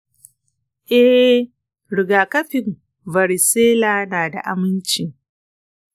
eh, rigakafin varicella na da aminci.